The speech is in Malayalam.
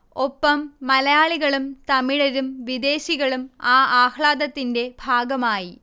ഒപ്പം മലയാളികളും തമിഴരും വിദേശികളും ആ ആഹ്ളാദത്തിന്റെ ഭാഗമായി